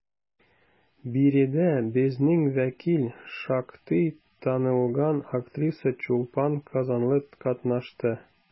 Биредә безнең вәкил, шактый танылган актриса Чулпан Казанлы катнашты.